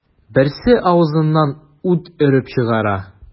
Берсе авызыннан ут өреп чыгара.